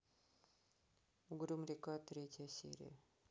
угрюм река третья серия